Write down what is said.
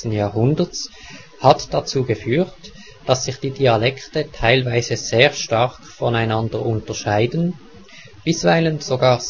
Jahrhunderts hat dazu geführt, dass sich die Dialekte teilweise sehr stark voneinander unterscheiden, bisweilen sogar